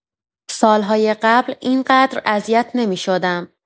سال‌های قبل این‌قدر اذیت نمی‌شدم.